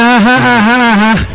axa axa axa